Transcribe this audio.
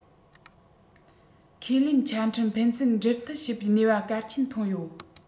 ཁས ལེན ཆ འཕྲིན ཕན ཚུན འབྲེལ མཐུད བྱེད པའི ནུས པ གལ ཆེན ཐོན ཡོད